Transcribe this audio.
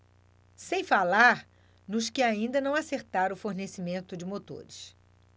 sem falar nos que ainda não acertaram o fornecimento de motores